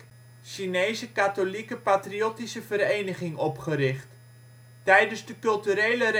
Chinese Katholieke Patriottische Vereniging ' opgericht. Tijdens de Culturele